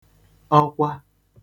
ọkwa